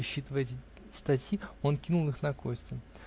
(Высчитывая эти статьи, он кинул их на кости.